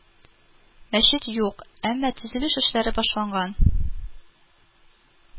Мәчет юк, әмма төзелеш эшләре башланган